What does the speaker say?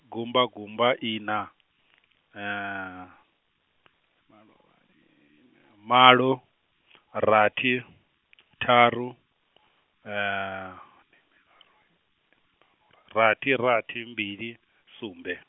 gumba gumba, ina, malo, rathi, ṱharu, , rathi rathi mbili, sumbe.